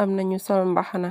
am na ñu sol mbàxna.